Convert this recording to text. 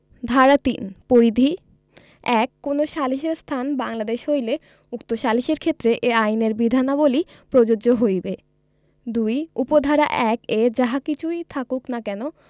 ধারা ৩ পরিধি ১ কোন সালিসের স্থান বাংলাদেশ হইলে উক্ত সালিসের ক্ষেত্রে এই আইনের বিধানাবলী প্রযোজ্য হইবে ২ উপ ধারা ১ এ যাহা কিচুই থাকুক না কেন